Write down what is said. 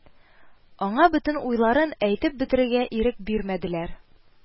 Аңа бөтен уйларын әйтеп бетерергә ирек бирмәделәр